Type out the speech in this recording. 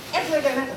E su